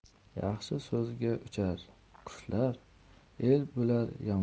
yaxshi so'zga uchar qushlar el bo'lar